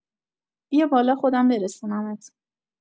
بیا بالا خودم برسونمت.